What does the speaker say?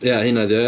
Ia, hynna 'di o ia?